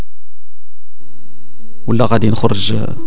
ولا قد يخرج